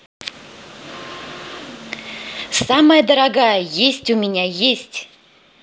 самая дорогая есть у меня есть